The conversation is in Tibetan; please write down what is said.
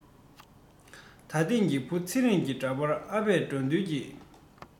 ད ཐེངས ཀྱི བུ ཚེ རིང གི འདྲ པར ཨ ཕ དགྲ འདུལ གྱི